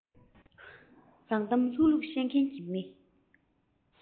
རང གཏམ ལྷུག ལྷུག བཤད མཁན གྱི མི